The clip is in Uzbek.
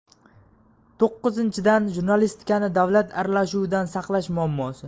to'qqizinchidan jurnalistikani davlat aralashuvidan saqlash muammosi